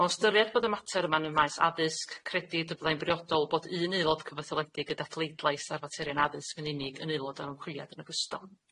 O ystyried bod y mater yma'n y maes addysg, credid y byddai'n briodol bod un aelod cyfetholedig gyda pleidlais ar faterion addysg yn unig yn aelod o'r ymchwiliad yn ogystal.